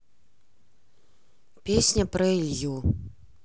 песня про илью